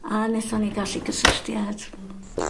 A nethon ni golli gysylltiad so.